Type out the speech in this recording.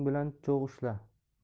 bilan cho'g' ushla